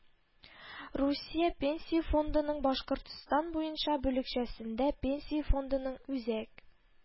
Русия Пенсия фондының Башкортстан буенча бүлекчәсендә Пенсия фондының Үзәк